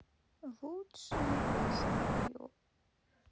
лучшие песни ее